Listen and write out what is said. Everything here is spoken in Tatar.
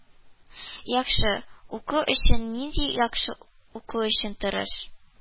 Яхшы уку өчен, нинди Яхшы уку өчен, тырыш,